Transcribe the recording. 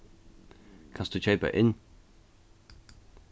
kanst tú keypa inn